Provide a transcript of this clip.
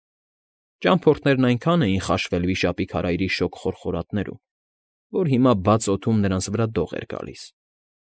Ճամփորդներն այնքան էին խաշվել վիշապի քարայրի շոգ խորխորատներում, որ հիմա բաց օդում նրանց վրա դող էր գալիս։